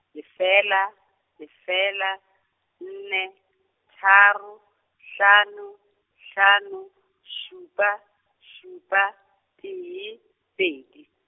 lefela, lefela, nne, tharo, hlano, hlano, šupa, šupa, tee, pedi.